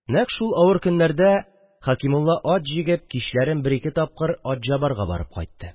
Нәкъ шул авыр көннәрдә Хәкимулла ат җигеп кичләрен бер-ике тапкыр Атҗабарга барып кайтты